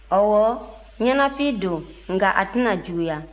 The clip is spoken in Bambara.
ɔwɔ ɲɛnafin don nka a tɛna juguya